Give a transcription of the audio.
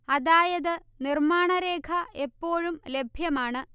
അതായത് നിർമ്മാണരേഖ എപ്പോഴും ലഭ്യമാണ്